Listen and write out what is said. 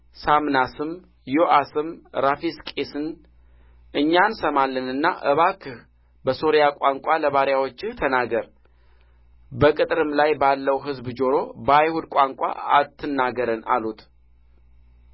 ሳምናስም ዮአስም ራፋስቂስን እኛ እንሰማለንና እባክህ በሶርያ ቋንቋ ለባሪያዎችህ ተናገር በቅጥርም ላይ ባለው ሕዝብ ጆሮ በአይሁድ ቋንቋ አትናገረን አሉት